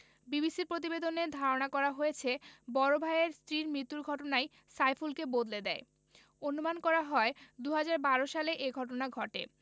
বিবিসির প্রতিবেদনে ধারণা করা হয়েছে বড় ভাইয়ের স্ত্রীর মৃত্যুর ঘটনাই সাইফুলকে বদলে দেয় অনুমান করা হয় ২০১২ সালে এ ঘটনা ঘটে